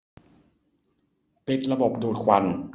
ปิดระบบดูดควัน